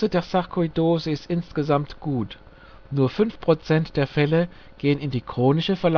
der Sarkoidose ist insgesamt gut, nur 5% der Fälle gehen in die chronische Verlaufsform über